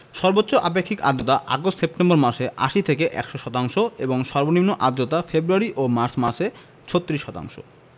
সর্বোচ্চ আপেক্ষিক আর্দ্রতা আগস্ট সেপ্টেম্বর মাসে ৮০ থেকে ১০০ শতাংশ এবং সর্বনিম্ন আর্দ্রতা ফেব্রুয়ারি ও মার্চ মাসে ৩৬ শতাংশ